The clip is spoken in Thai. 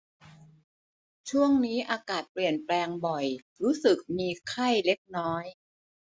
ช่วงนี้อากาศเปลี่ยนแปลงบ่อยรู้สึกมีไข้เล็กน้อย